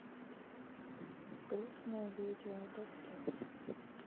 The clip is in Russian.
грустное видео до слез